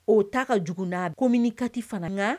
O ta ka jugu n'a komini 4 fana